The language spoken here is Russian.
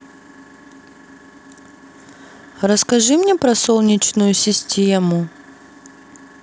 расскажи мне про солнечную систему